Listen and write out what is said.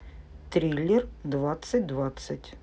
триллер двадцать двадцать